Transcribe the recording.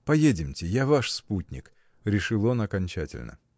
— Поедемте, я ваш спутник, — решил он окончательно.